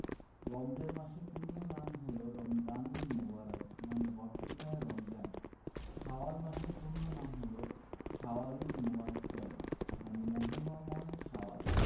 রমজান মাসের পূর্ণ নাম হলো রমাদানুল মোবারক মানে বরকতময় রমজান শাওয়াল মাসের পূর্ণ নাম হলো শাওয়ালুল মুআজ্জম মানে মহিমাময় শাওয়াল